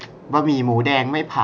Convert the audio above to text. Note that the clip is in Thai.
บะหมี่หมูแดงไม่ผัก